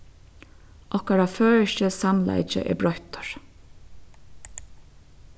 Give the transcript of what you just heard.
okkara føroyski samleiki er broyttur